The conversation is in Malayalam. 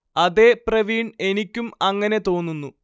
അതേ പ്രവീൺ എനിക്കും അങ്ങനെ തോന്നുന്നു